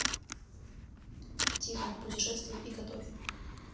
тихон путешествуй и готовь